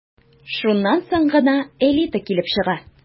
Шуннан соң гына «элита» килеп чыга...